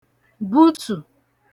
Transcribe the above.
butù